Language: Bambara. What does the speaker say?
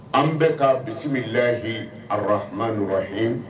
An bɛ ka bisimila lahi arafin ninnu yen